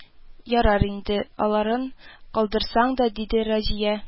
Ярар инде, аларын калдырсаң да, диде Разия